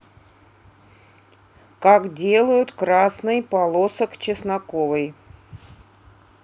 как делают красной полосок чесноковой